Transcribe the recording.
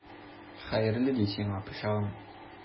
Хәерле ди сиңа, пычагым!